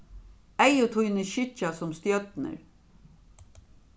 eygu tíni skyggja sum stjørnur